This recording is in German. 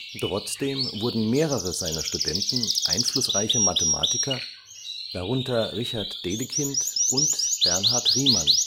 Trotzdem wurden mehrere seiner Studenten einflussreiche Mathematiker, darunter Richard Dedekind und Bernhard Riemann